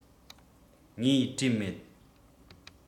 ངས བྲིས མེད